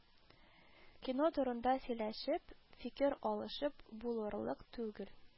Кино турында сөйләшеп, фикер алышып булырлык түгел